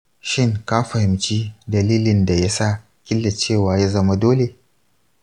shin ka fahimci dalilin da yasa killacewa ya zama dole?